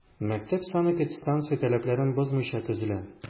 Мәктәп санэпидстанция таләпләрен бозмыйча төзелә.